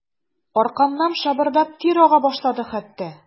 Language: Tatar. Аркамнан шабырдап тир ага башлады хәтта.